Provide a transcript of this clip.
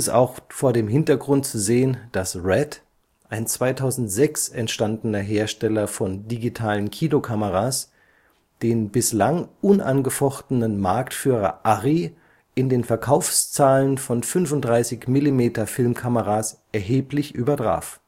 auch vor dem Hintergrund zu sehen, dass RED, ein 2006 entstandener Hersteller von digitalen Kinokameras, den bislang unangefochtenen Marktführer Arri in den Verkaufszahlen von 35-mm-Filmkameras erheblich übertraf